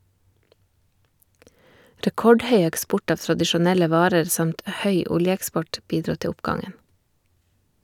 Rekordhøy eksport av tradisjonelle varer samt høy oljeeksport bidro til oppgangen.